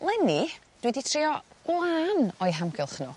leni dwi 'di trio wlan o'u hamgylch n'w.